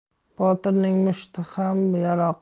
botirning mushti ham yarog'